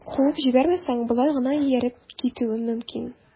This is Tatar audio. Куып җибәрмәсәң, болай гына ияреп китүем мөмкин...